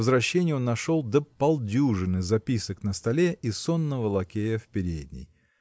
по возвращении он нашел до полдюжины записок на столе и сонного лакея в передней.